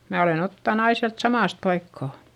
minä olen ottanut aina sieltä samasta paikkaa